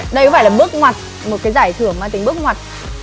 đây có phải là bước ngoặt một cái giải thưởng mang tính bước ngoặt